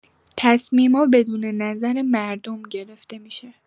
تصمیما بدون نظر مردم گرفته می‌شه.